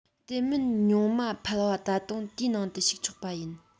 དེ མིན ཉུང མ ཕལ བ ད དུང དེའི ནང དུ ཞུགས ཆོག པ ཡིན